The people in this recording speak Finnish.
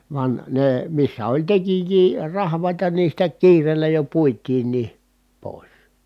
vaan ne missä oli tekijöitä rahvaita niin sitä kiireellä jo puitiinkin pois